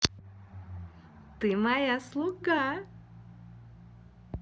ты моя слуга